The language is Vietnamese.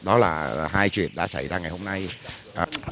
đó là hai chuyện đã xảy ra ngày hôm nay